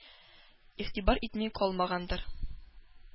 Игътибар итми калмагандыр: